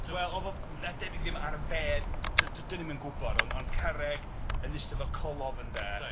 Wel oedd o... debyg ddim ar fedd. D- dan ni'm yn gwybod ond ond carreg yn eistedd fel colofn 'de